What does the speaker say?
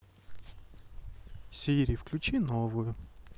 сири включи новую